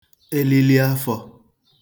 elili afọ̄